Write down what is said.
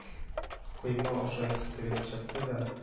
Койма аша сикереп чыкты да